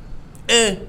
E